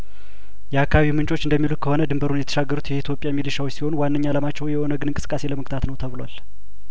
የአካባቢውምንጮች እንደሚሉት ከሆነ ድንበሩን የተሻገሩት የኢትዮጵያ ሚሊሺያዎች ሲሆኑ ዋንኛ አላማቸው የኦነግን እንቅስቃሴ ለመግታት ነው ተብሏል